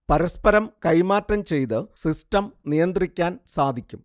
പരസ്പരം കൈമാറ്റം ചെയ്ത് സിസ്റ്റം നിയന്ത്രിക്കാൻ സാധിക്കും